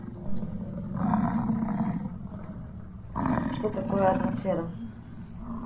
что такое атмосфера